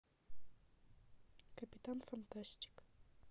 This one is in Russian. капитан фантастик